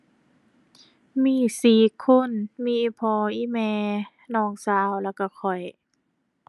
มีสี่คน มีอีพ่อ อีแม่ น้องสาว แล้วก็ข้อย